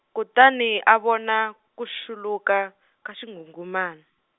kutani a vona ku swuluka, ka xinghunghumani.